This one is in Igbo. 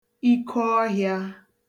ikoọhị̄a